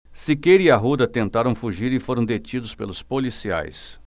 siqueira e arruda tentaram fugir e foram detidos pelos policiais